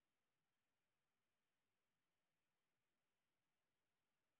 смотреть лунтика